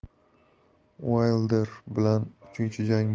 uaylder bilan uchinchi